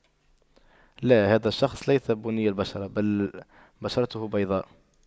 لا هذا الشخص ليس بني البشرة بل بشرته بيضاء